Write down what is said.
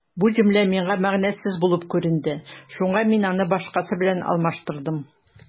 Бу җөмлә миңа мәгънәсез булып күренде, шуңа мин аны башкасы белән алмаштырдым.